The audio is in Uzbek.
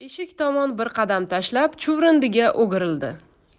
eshik tomon bir qadam tashlab chuvrindiga o'girildi